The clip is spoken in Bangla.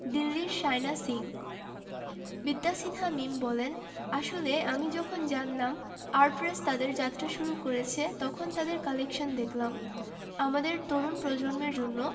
দিল্লির শায়না সিং বিদ্যা সিনহা মিম বলেন আসলে আমি যখন জানলাম আর্টরেস তাদের যাত্রা শুরু করেছে তখন তাদের কালেকশান দেখলাম আমাদের তরুণ প্রজন্মের জন্য